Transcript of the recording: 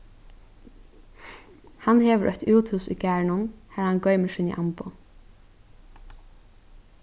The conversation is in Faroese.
hann hevur eitt úthús í garðinum har hann goymir síni amboð